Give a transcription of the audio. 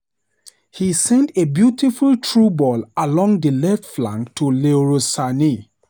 He sent a beautiful through ball along the left flank to Leroy Sane.